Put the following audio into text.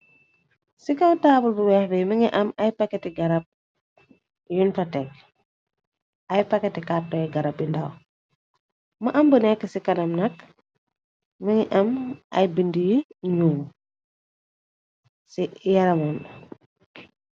Ci kaw tabull bu wèèx bi mu ngi gi am ay pakati garab yuñ fa teg ay pakati kàrtoy garab yi ndaw mu am bu nèkka ci kanam nak mu ngi am ay bindi yi ñuul ci yaramam bi.